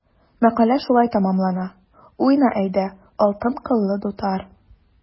Мәкалә шулай тәмамлана: “Уйна, әйдә, алтын кыллы дутар!"